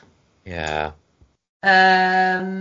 Ie yym.